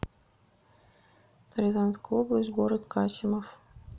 рязанская область город касимов